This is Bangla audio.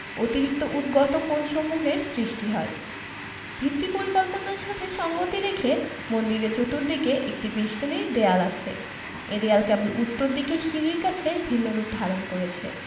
অতিরিক্ত উদ্গত কোণসমূহের সৃষ্টি হয় ভিত্তি পরিকল্পনার সাথে সঙ্গতি রেখে মন্দিরের চতুর্দিকে একটি বেষ্টনী দেয়াল আছে এ দেয়াল কেবল উত্তর দিকের সিঁড়ির কাছে ভিন্নরূপ ধারণ করেছে